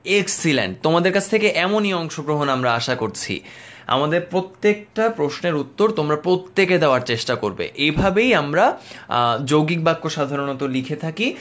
excellent তোমাদের কাছ থেকে এমনই অংশগ্রহণ আমরা আশা করছি আমাদের প্রত্যেকটা প্রশ্নের উত্তর তোমরা প্রত্যেকে দেওয়ার চেষ্টা করবে এভাবেই আমরা যৌগিক বাক্য সাধারণত লিখে থাকি